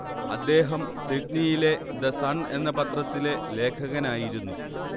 അദ്ദേഹം സിഡ്നിയിലെ the Sun എന്ന പത്രത്തിലെ ലേഖകനായിരുന്നു